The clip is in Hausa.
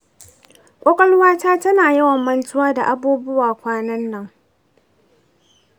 ƙwaƙwalwata tana yawan mantuwa da abubuwa kwanan nan